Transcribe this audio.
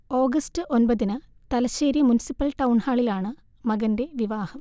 August ഒൻപതിന് Thalassery municipal ടൗൺഹാളിലാണ് മകന്റെ വിവാഹം